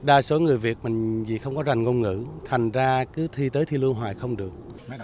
đa số người việt mình vì không có rành ngôn ngữ thành ra cứ thi tới thì luôn hoài không được